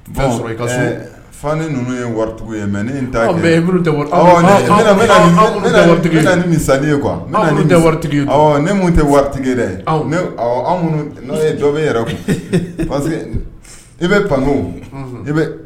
I fa ni ninnu ye waritigi ye mɛ netigi ni mi ye kuwa tɛ waritigi ye ne mun tɛ waritigi ye yɛrɛ n'o dɔ bɛ yɛrɛ pa i bɛ pan i bɛ